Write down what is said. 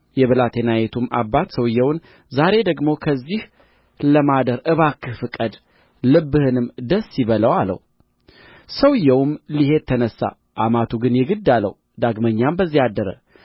የብላቴናይቱም አባት ሰውዮውን ዛሬ ደግሞ ከዚህ ለማደር እባክህ ፍቀድ ልብህንም ደስ ይበለው አለው ሰውዮውም ሊሄድ ተነሣ አማቱ ግን የግድ አለው ዳግመኛም በዚያ አደረ